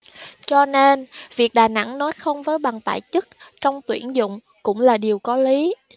cho nên việc đà nẵng nói không với bằng tại chức trong tuyển dụng cũng là điều có lý